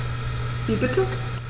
Wie bitte?